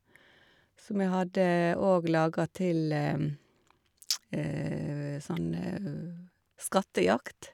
Så vi hadde òg laga til sånn skattejakt.